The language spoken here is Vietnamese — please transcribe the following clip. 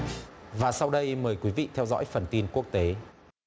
và sau đây mời quý vị theo dõi phần tin quốc tế